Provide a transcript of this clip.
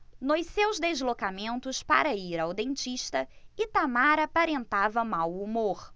nos seus deslocamentos para ir ao dentista itamar aparentava mau humor